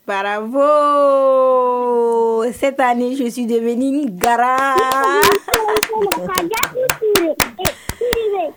Bravo ! cette année je sui devenue une grande Kandiya.